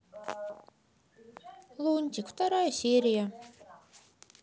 лунтик вторая серия